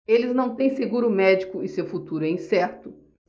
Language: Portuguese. eles não têm seguro médico e seu futuro é incerto